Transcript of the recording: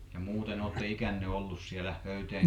ja muuten olette ikänne ollut siellä Höyteen kylässä